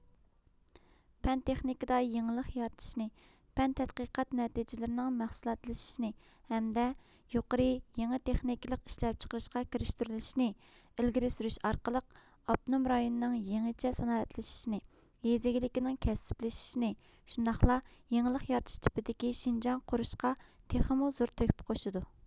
پەن تېخنىكىدا يېڭىلىق يارىتىشنى پەن تەتقىقات نەتىجلىرىنىڭ مەھسۇلاتلىشىشىنى ھەمدە يۇقىرى يېڭى تېخنىكىلىق ئىشلەپچىقىرىشقا كىرىشتۈرۈلۈشىنى ئىلگىرى سۈرۈش ئارقىلىق ئاپتونوم رايوننىڭ يېڭىچە سانائەتلىشىشنى يېزا ئىگىلىكىنىڭ كەسىپلىشىشىنى شۇنداقلا يېڭىلىق يارىتىش تىپىدىكى شىنجاڭ قۇرۇشقا تېخىمۇ زور تۆھپە قوشىدۇ